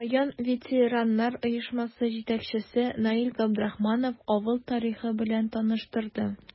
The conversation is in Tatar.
Район ветераннар оешмасы җитәкчесе Наил Габдрахманов авыл тарихы белән таныштырды.